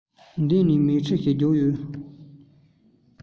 མདུན ནས མས ཁྲིད ཞིག རྒྱུགས ཡོད